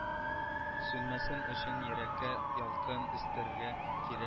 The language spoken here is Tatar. Сүнмәсен өчен йөрәккә ялкын өстәргә кирәк